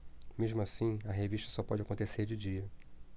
mesmo assim a revista só pode acontecer de dia